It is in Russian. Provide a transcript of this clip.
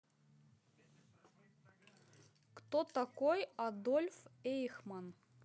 кто такой адольф эйхман